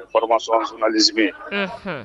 Kɔrɔs si